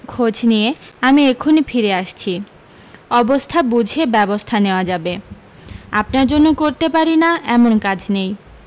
খোঁজ নিয়ে আমি এখুনি ফিরে আসছি অবস্থা বুঝে ব্যবস্থা নেওয়া যাবে আপনার জন্য করতে পারি না এমন কাজ নেই